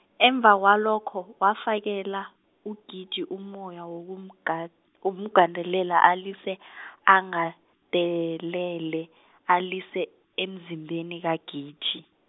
emva kwalokho, wafakela, UGiji umoya wokumga- ngokumgandelela alise , agandelele alise, emzimbeni kaGiji.